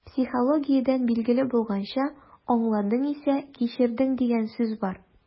Психологиядән билгеле булганча, «аңладың исә - кичердең» дигән сүз бар.